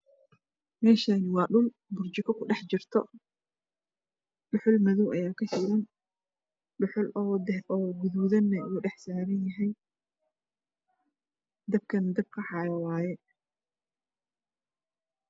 Meeshaani waa dhul burjiko ku dhex jirto dhuxul madow ayaa ka shidan dhuxul oo gaduudan wuu dhax saaranyahay dabkana dab qaxaaye waaye